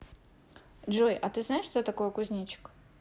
джой а ты знаешь что такое кузнечик